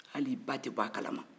hali i ba tɛ bɔ a kalama